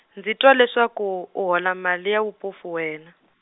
ndzi twa leswaku u hola mali ya vubofu wena.